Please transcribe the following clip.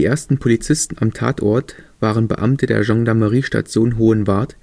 ersten Polizisten am Tatort waren Beamte der Gendarmeriestation Hohenwart,